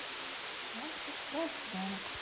мультик про обезьянок